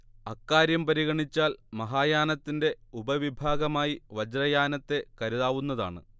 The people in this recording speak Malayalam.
അക്കാര്യം പരിഗണിച്ചാൽ മഹായാനത്തിന്റെ ഉപവിഭാഗമായി വജ്രയാനത്തെ കരുതാവുന്നതാണ്